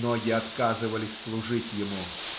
Ноги отказывались служить ему